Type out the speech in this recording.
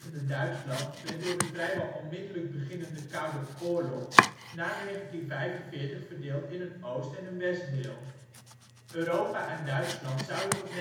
Duitsland werd door de vrijwel onmiddellijk beginnende Koude Oorlog na 1945 verdeeld in een oost en westdeel. Europa en Duitsland zouden tot